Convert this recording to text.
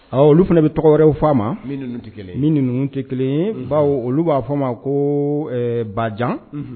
Olu fana bɛ tɔgɔ wɛrɛw fa ma tɛ kelen ni ninnu tɛ kelen baw olu b'a fɔ o ma ko bajan